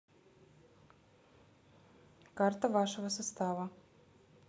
карта вашего состава